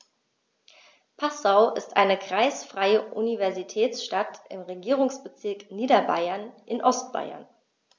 Passau ist eine kreisfreie Universitätsstadt im Regierungsbezirk Niederbayern in Ostbayern.